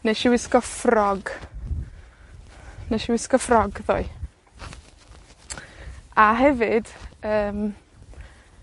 Nesh i wisgo ffrog. Nesh i wisgo ffrog ddoe. A hefyd, yym,